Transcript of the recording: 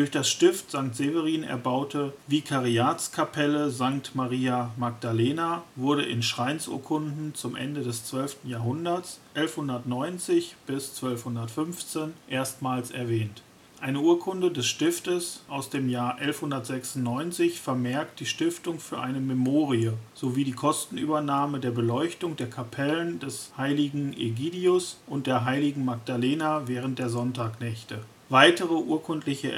das Stift St. Severin erbaute Vikariatskapelle St. Maria Magdalena wurde in Schreinsurkunden zum Ende des 12. Jahrhunderts (1190-1215) erstmals erwähnt. Eine Urkunde des Stiftes aus dem Jahr 1196 vermerkt die Stiftung für eine Memorie, sowie die Kostenübernahme der Beleuchtung der Kapellen des heiligen Egidius und der heiligen Magdalena während der Sonntagnächte. Weitere urkundliche